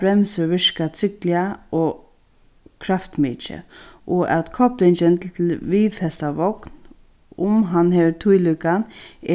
bremsur virka tryggliga og kraftmikið og at koblingin viðfesta vogn um hann hevur tílíkan